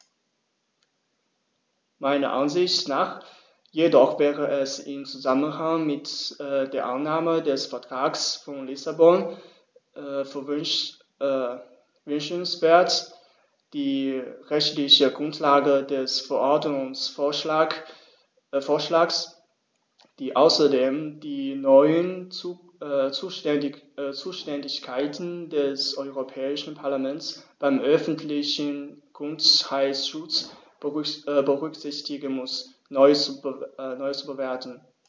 Meiner Ansicht nach jedoch wäre es im Zusammenhang mit der Annahme des Vertrags von Lissabon wünschenswert, die rechtliche Grundlage des Verordnungsvorschlags, die außerdem die neuen Zuständigkeiten des Europäischen Parlaments beim öffentlichen Gesundheitsschutz berücksichtigen muss, neu zu bewerten.